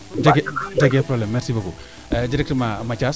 jege probleme merci beaucoup directement Mathiasse